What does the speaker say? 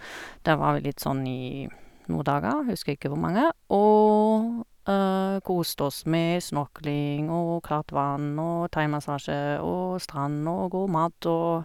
Der var vi litt sånn i noe dager, husker ikke hvor mange, og koste oss med snorkling og klart vann og thaimassasje og strand og god mat og...